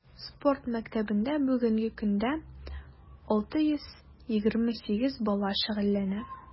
Спорт мәктәбендә бүгенге көндә 628 бала шөгыльләнә.